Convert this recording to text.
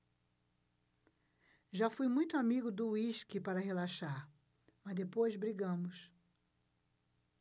já fui muito amigo do uísque para relaxar mas depois brigamos